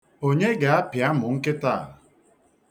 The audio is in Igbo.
Onye ga-apị amụ nkịta a?